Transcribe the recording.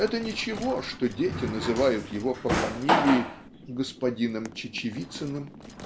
это ничего, что дети называют его по фамилии "господином Чечевицыным".